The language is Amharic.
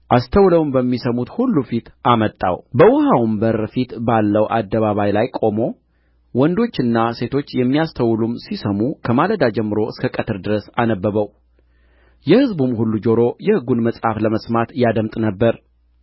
አስተውለውም በሚሰሙት ሁሉ ፊት አመጣው በውኃውም በር ፊት ባለው አደባባይ ላይ ቆሞ ወንዶችና ሴቶች የሚያስተውሉም ሲሰሙ ከማለዳ ጀምሮ እስከ ቀትር ድረስ አነበበው የሕዝቡም ሁሉ ጆሮ የሕጉን መጽሐፍ ለመስማት ያደምጥ ነበር